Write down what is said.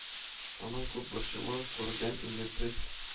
Аның күп борчылу күрүдән инде төс